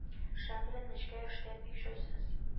Шәм белән нечкә эштә бик җайсыз